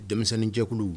Denmisɛnninjɛkulu